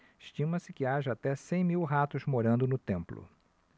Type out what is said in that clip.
estima-se que haja até cem mil ratos morando no templo